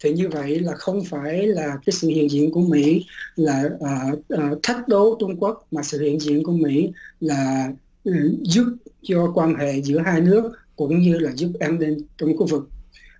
thì như vậy là không phải là cái sự hiện diện của mỹ là là thách đố trung quốc mà sự hiện diện của mỹ là giúp cho quan hệ giữa hai nước cũng như là giúp an ninh trong khu vực